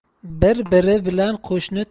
bir biri bilan qo'shni